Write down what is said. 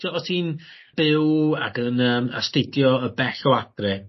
t'w'o' os ti'n byw ag yn yym astudio y bell o adre